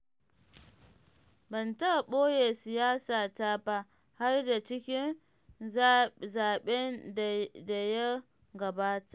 Ban taɓa boye siyasata ba, har da cikin zaɓen da ya gabata.